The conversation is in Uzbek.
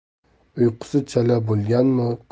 uyqusi chala bo'lganmi